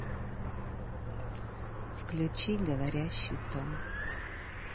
включи говорящий том